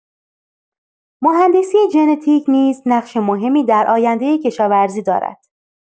مهندسی ژنتیک نیز نقش مهمی در آینده کشاورزی دارد.